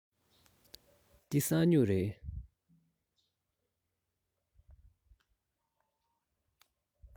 འདི ས སྨྱུག རེད